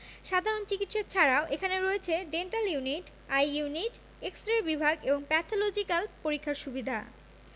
সাধারণ চিকিৎসা ছাড়াও এখানে রয়েছে dental unit eye unit X ray বিভাগ এবং প্যাথলজিক্যাল পরীক্ষার সুবিধা